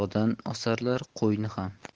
oyog'idan osarlar qo'yni ham